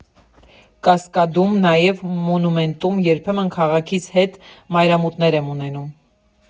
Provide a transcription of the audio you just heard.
Կասկադում, նաև Մոնումենտում երբեմն քաղաքիս հետ մայրամուտներ եմ ունենում։